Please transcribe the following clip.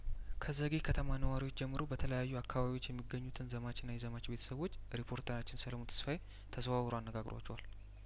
ከዘጌ ከተማ ነዋሪዎች ጀምሮ በተለያዩ አካባቢዎች የሚገኙትን ዘማችና የዘማች ቤተሰቦች ሪፖርተራችን ሰለሞን ተስፋዬ ተዘዋውሮ አነጋግሯቸዋል